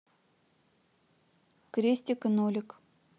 крестик и нолик